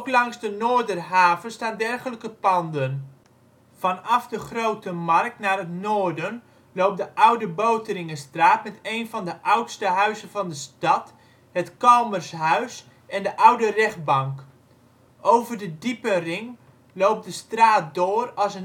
langs de Noorderhaven staan dergelijke panden. Vanaf de Grote Markt naar het noorden loopt de Oude Boteringestraat met een van de oudste huizen van de stad, het Calmershuis en de oude Rechtbank. Over de diepenring loopt de straat door als